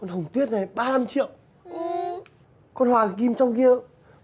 con hồng tuyết này ba lăm triệu con hoàng kim trong kia